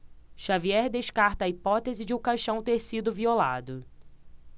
xavier descarta a hipótese de o caixão ter sido violado